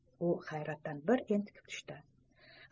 u hayratdan bir entikib tushdi